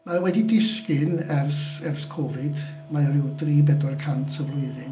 Mae wedi disgyn ers ers Covid. Mae o ryw dri bedwar cant y flwyddyn.